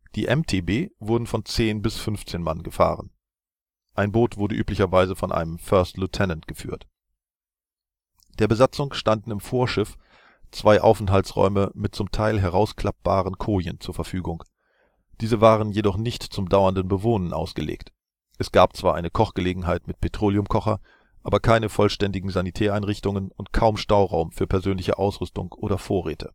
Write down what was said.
Die MTB wurden von 10 bis 15 Mann gefahren. Ein Boot wurde üblicherweise von einem First Lieutenant geführt. Der Besatzung standen im Vorschiff zwei Aufenthaltsräume mit zum Teil herausklappbaren Kojen zur Verfügung. Diese waren jedoch nicht zum dauernden Bewohnen ausgelegt. Es gab zwar eine Kochgelegenheit mit Petroleumkocher, aber keine vollständigen Sanitäreinrichtungen und kaum Stauraum für persönliche Ausrüstung oder Vorräte